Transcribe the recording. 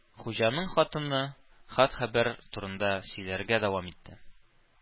Хуҗаның хатыны хат-хәбәр турында сөйләргә дәвам итте